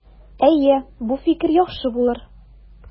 Әйе, бу фикер яхшы булыр.